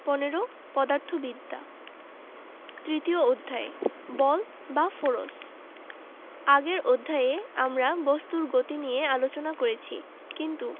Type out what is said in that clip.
১৫ পদার্থবিদ্যা তৃতীয় অধ্যায় বল বা ফোরস আগের অধ্যায়ে আমরা বস্তুর গতি নিয়ে আলোচনা করেছি কিন্তু